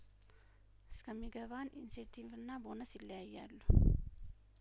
እስከሚገባን ኢንሴንቲቭና ቦነስ ይለያያሉ